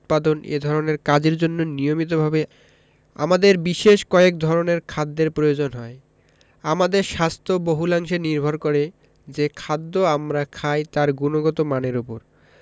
উৎপাদন এ ধরনের কাজের জন্য নিয়মিতভাবে আমাদের বিশেষ কয়েক ধরনের খাদ্যের প্রয়োজন হয় আমাদের স্বাস্থ্য বহুলাংশে নির্ভর করে যে খাদ্য আমরা খাই তার গুণগত মানের ওপর